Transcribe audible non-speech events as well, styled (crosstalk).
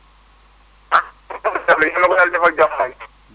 (unintelligible) yàlla na ko yàlla defal jàmm waay